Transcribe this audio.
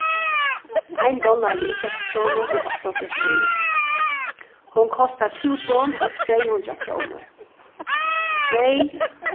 ein dollari er seks krónur og áttaoghálvfjerðs oyru hon kostar túsund og tvey hundrað krónur tvey